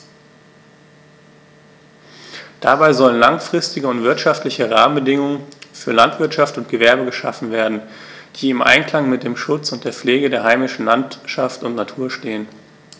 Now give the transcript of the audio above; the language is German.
Dabei sollen langfristige und wirtschaftliche Rahmenbedingungen für Landwirtschaft und Gewerbe geschaffen werden, die im Einklang mit dem Schutz und der Pflege der heimischen Landschaft und Natur stehen.